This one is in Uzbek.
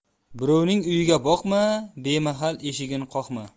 birovning uyiga boqma bemahal eshigin qoqma